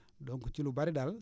donc ci lu bari daal